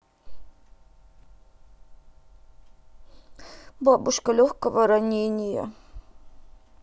бабушка легкого ранения